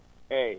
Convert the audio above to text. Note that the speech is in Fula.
eeyi